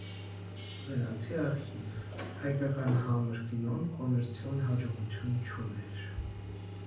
Գնացի արխիվ՝ հայկական համր կինոն կոմերցիոն հաջողություն չուներ։